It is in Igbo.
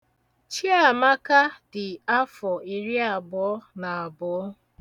Chiamaka dị afọ iriabụọ na abụọ.